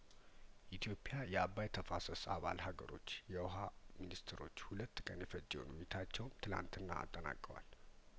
ኢትዮፕያየአባይተፋሰስ አባል ሀገሮች የውሀ ሚኒስትሮች ሁለት ቀን የፈጀውን ውይይታቸውን ትላንትና አጠናቀዋል